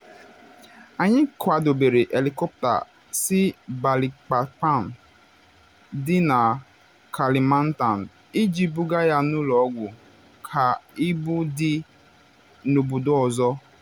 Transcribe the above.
Anyị kwadobere helikọpta si Balikpapan dị na Kalimantan iji buga ya n’ụlọ ọgwụ ka ibu dị n’obodo ọzọ.